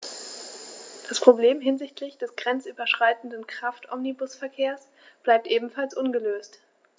Das Problem hinsichtlich des grenzüberschreitenden Kraftomnibusverkehrs bleibt ebenfalls ungelöst.